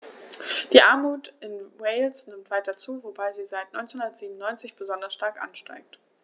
Die Armut in Wales nimmt weiter zu, wobei sie seit 1997 besonders stark ansteigt.